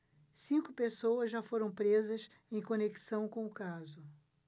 cinco pessoas já foram presas em conexão com o caso